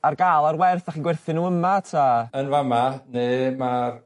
ar ga'l ar werth 'dach chi'n gwerthu n'w yma ta... Yn fa' 'ma ne' ma'r